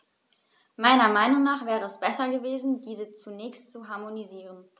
Meiner Meinung nach wäre es besser gewesen, diese zunächst zu harmonisieren.